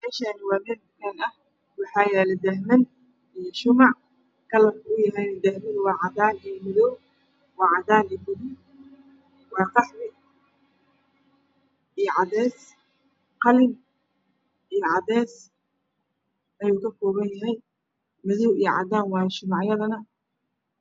Meeshaan waa meel tukaan ah waxaa daahman iyo shamac kalarka daahmada waa cadaan iyo madow, cadaan iyo gaduud ,qaxwi iyo cadeys, qalin iyo cadeys ayuu kakooban yahay shamacyadana waa cadaan iyo madow.